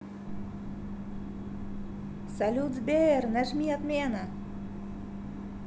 салют сбер нажми отмена